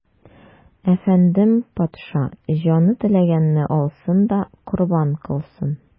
Әфәндем, патша, җаны теләгәнне алсын да корбан кылсын.